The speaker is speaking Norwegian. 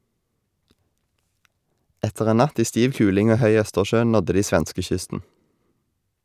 Etter en natt i stiv kuling og høy Østersjø nådde de svenskekysten.